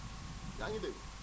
yaa ngi dégg